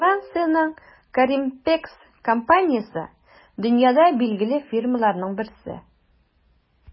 Франциянең Gorimpex компаниясе - дөньяда билгеле фирмаларның берсе.